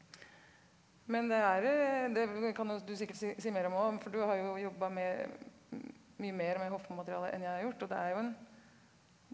men det er det kan jo du sikkert si si mer om òg for du har jo jobba med mye mer med Hofmo-materialet enn jeg har gjort og det er jo en.